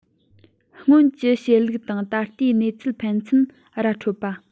སྔོན གྱི བཤད ལུགས དང ད ལྟའི གནས ཚུལ ཕན ཚུན ར འཕྲོད པ